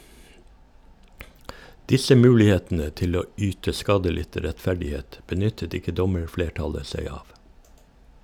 Disse mulighetene til å yte skadelidte rettferdighet, benyttet ikke dommerflertallet seg av.